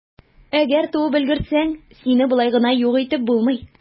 Әгәр туып өлгерсәң, сине болай гына юк итеп булмый.